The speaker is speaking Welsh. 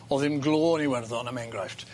O'dd ddim glo yn Iwerddon am enghraifft.